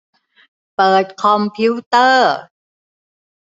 เปิดคอมพิวเตอร์